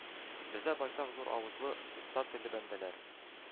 Бездә байтак зур авызлы, оста телле бәндәләр,